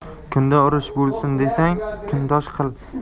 kunda urush bo'lsin desang kundosh qil